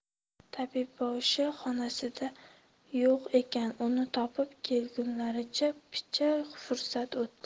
tabibboshi xonasida yo'q ekan uni topib kelgunlaricha picha fursat o'tdi